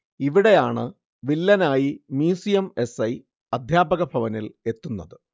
ഇവിടെയാണ് വില്ലനായി museum S. I അദ്ധ്യാപകഭവനിൽ എത്തുന്നത്